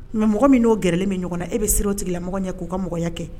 Mɛ mɔgɔ min n'o g min ɲɔgɔn na e bɛ s o tigilamɔgɔ ɲɛ k'o ka mɔgɔ kɛ